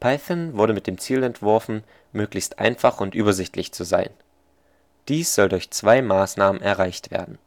Python wurde mit dem Ziel entworfen, möglichst einfach und übersichtlich zu sein. Dies soll durch zwei Maßnahmen erreicht werden: